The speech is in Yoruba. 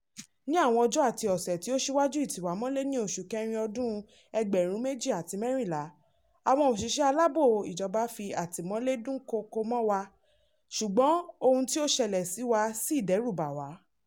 Ní àwọn ọjọ́ àti ọ̀sẹ̀ tí ó síwájú ìtìwámọ́lé ní oṣù Kẹrin ọdún 2014, àwọn òṣìṣẹ́ aláàbò ìjọba fi àtìmọ́lé dúnkòokò mọ́ wa, ṣùgbọ́n ohun tí ó ṣẹlẹ̀ sí wa si dẹ́rùbà wá.